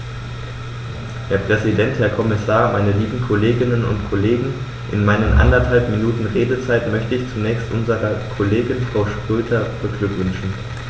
Herr Präsident, Herr Kommissar, meine lieben Kolleginnen und Kollegen, in meinen anderthalb Minuten Redezeit möchte ich zunächst unsere Kollegin Frau Schroedter beglückwünschen.